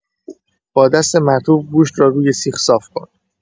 با دست مرطوب گوشت را روی سیخ صاف‌کن.